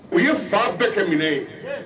U ye fa bɛɛ kɛ minɛ ye